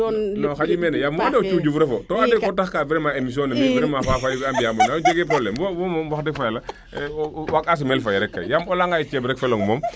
no xanji nene wo ande o Dioudiouf refo to ko taxka emission ne vraiment Fafaye we jege probleme wo moomm wax deg fa yala waag a simel Faye rek yaam o leya ngaye ceeb rek lelong moom